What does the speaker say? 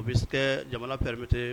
O bɛ se jamana p peɛremete